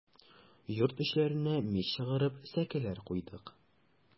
Йорт эчләренә мич чыгарып, сәкеләр куйдык.